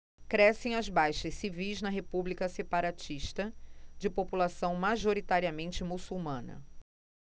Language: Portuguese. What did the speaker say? crescem as baixas civis na república separatista de população majoritariamente muçulmana